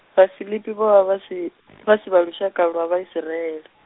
Vhafilipi vho vha vha si, vha si lushaka lwa Vhaisiraele .